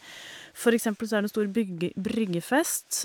For eksempel så er det stor bygge bryggefest.